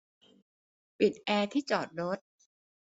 ปิดแอร์ที่จอดรถ